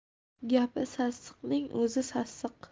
gapi sassiqning o'zi sassiq